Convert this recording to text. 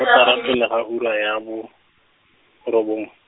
kotara pele ga ura ya bo, robongwe.